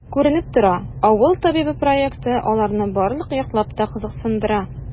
Күренеп тора,“Авыл табибы” проекты аларны барлык яклап та кызыксындыра.